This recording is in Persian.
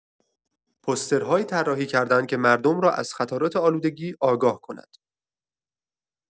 پوسترهایی طراحی کردند که مردم را از خطرات آلودگی آگاه کند.